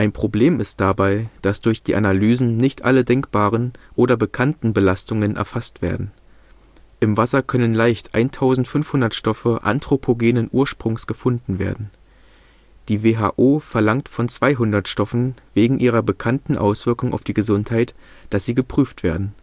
Problem ist dabei, dass durch die Analysen nicht alle denkbaren oder bekannten Belastungen erfasst werden. Im Wasser können leicht 1500 Stoffe anthropogenen Ursprungs gefunden werden. Die WHO verlangt von 200 Stoffen wegen ihrer bekannten Auswirkung auf die Gesundheit, dass sie geprüft werden